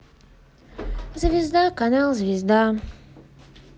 звезда канал звезда